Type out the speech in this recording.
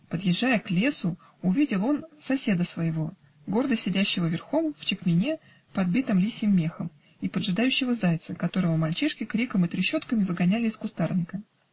Подъезжая к лесу, увидел он соседа своего, гордо сидящего верхом, в чекмене, подбитом лисьим мехом, и поджидающего зайца, которого мальчишки криком и трещотками выгоняли из кустарника.